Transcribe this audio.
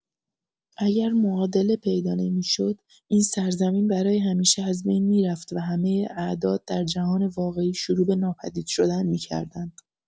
اگر معادله پیدا نمی‌شد، این سرزمین برای همیشه از بین می‌رفت و همۀ اعداد در جهان واقعی شروع به ناپدید شدن می‌کردند.